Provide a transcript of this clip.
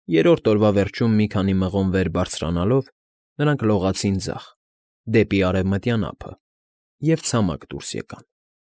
Երրորդ օրվա վերջում մի քանի մղոն վեր բարձրանալով, նրանք լողացին ձախ, դեպի արևմտյան ափը, և ցամաք դուրս եկան։